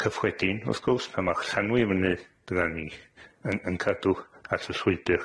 cyffredin, wrth gwrs, pan ma'r llanw i fyny, byddan ni yn yn cadw at y llwybyr.